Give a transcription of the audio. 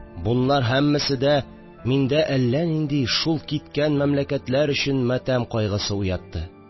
Бунлар һәммәсе дә миндә әллә нинди, шул киткән мәмләкәтләр өчен матәм кайгысы уятты